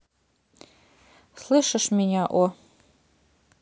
слышишь меня о